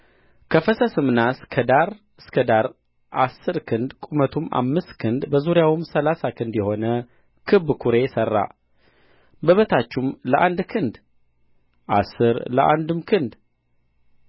ከፈሰሰም ናስ ከዳር እስከ ዳር አሥር ክንድ ቁመቱም አምስት ክንድ በዙሪያውም ሠላሳ ክንድ የሆነ ክብ ኵሬ ሠራ በበታቹም ለአንድ ክንድ አሥር ለአንድም ክንድ